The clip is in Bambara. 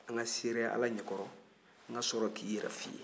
an ka seereya ala ɲɛ kɔrɔ n ka sɔrɔ k'i yɛrɛ fɔ i ye